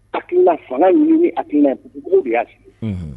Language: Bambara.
Akiina fanga ɲini aki de' fili